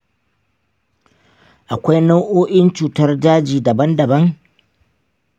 akwai nau’o’in cutar daji daban-daban?